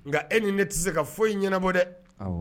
Nka e ni ne tɛ se ka foyi ɲɛnabɔ dɛ